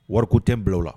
Wariku tɛ bila la